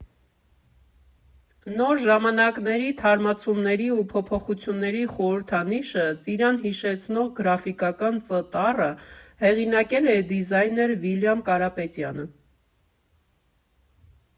Նոր ժամանակների, թարմացումների ու փոփոխությունների խորհրդանիշը՝ ծիրան հիշեցնող գրաֆիկական Ծ տառը, հեղինակել է դիզայներ Վիլյամ Կարապետյանը։